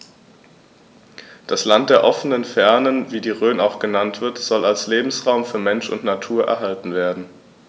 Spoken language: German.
Das „Land der offenen Fernen“, wie die Rhön auch genannt wird, soll als Lebensraum für Mensch und Natur erhalten werden.